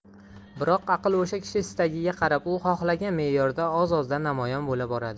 biroq aql o'sha kishi istagiga qarab u xohlagan me'yorda oz ozdan namoyon bo'la boradi